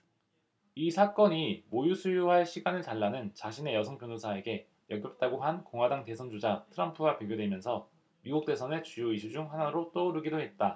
이 사건이 모유 수유할 시간을 달라는 자신의 여성 변호사에게 역겹다고 한 공화당 대선 주자 트럼프와 비교되면서 미국 대선의 주요 이슈 중 하나로 떠오르기도 했다